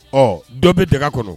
Ɔ dɔ bɛ daga kɔrɔ